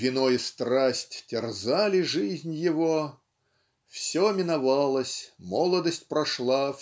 вино и страсть терзали жизнь его все миновалось молодость прошла